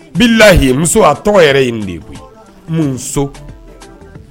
N' layi muso a tɔgɔ yɛrɛ ye de